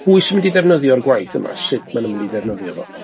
pwy sy'n mynd i ddefnyddio'r gwaith yma, sut maen nhw'n mynd i ddefnyddio fo?